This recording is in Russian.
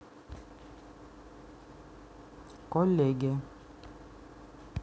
college